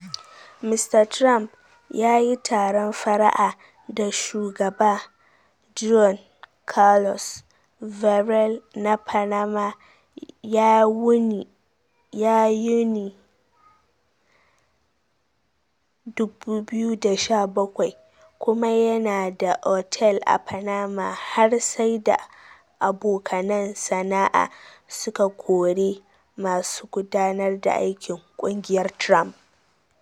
Mr. Trump ya yi taron fara’a da Shugaba Juan Carlos Varela na Panama a Yuni 2017 kuma yana da otel a Panama har sai da abokanan sana’a suka kori masu gudanar da aikin kungiyar Trump.